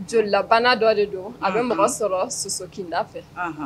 Jolilabana dɔ de don a bɛ mɔgɔ sɔrɔ sosokinda fɛ.